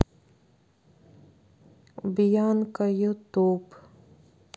бьянка ютуб